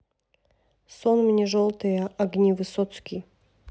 сон мне желтые огни высоцкий